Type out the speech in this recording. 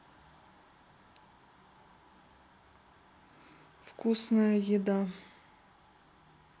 вкусная еда